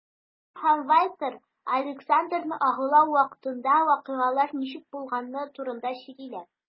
Максим һәм Вальтер Александрны агулау вакытында вакыйгалар ничек булганы турында сөйлиләр.